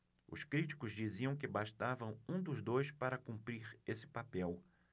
os críticos diziam que bastava um dos dois para cumprir esse papel